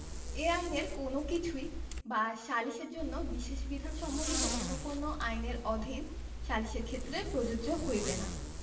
এই আইনের কোন কিছুই বা সালিসের জন্য বিশেষ বিধান সম্বলিত অন্য কোন আইনের অধীন সালিসের ক্ষেত্রে প্রযোজ্য হইবে না